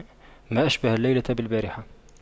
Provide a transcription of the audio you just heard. ما أشبه الليلة بالبارحة